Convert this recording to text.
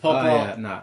O ie, na.